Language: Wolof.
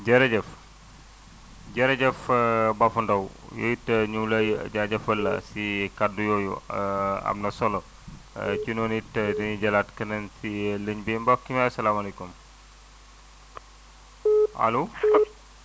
jërëjëf jërëjëf Bafou Ndao yow it ñu ngi lay jaajëfal si kaddu yooyu am na solo ci noonu it dañuy jëlaat keneen si ligne bi mbokk mi asalaamaaleykum allo